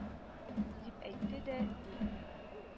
— дип әйтте дә, ди